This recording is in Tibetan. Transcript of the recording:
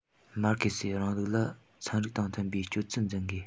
༄༅ མར ཁེ སིའི རིང ལུགས ལ ཚན རིག དང མཐུན པའི སྤྱོད ཚུལ འཛིན དགོས